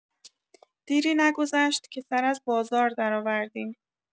دیری نگذشت که سر از بازار درآوردیم.